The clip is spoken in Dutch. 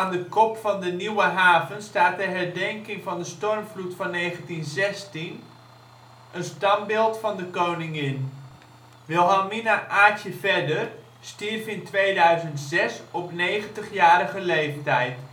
de kop van de Nieuwe Haven staat ter herdenking van de stormvloed van 1916 een standbeeld van de koningin. Wilhelmina Aartje Vedder stierf in 2006 op 90-jarige leeftijd